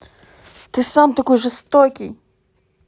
ты сам такой жестокий